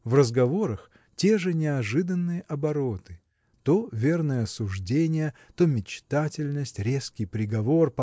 В разговорах те же неожиданные обороты то верное суждение то мечтательность резкий приговор